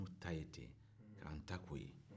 n'u ta ye ten ka an ta k'o ye